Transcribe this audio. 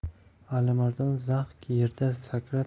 alimardon zax yerda sakrab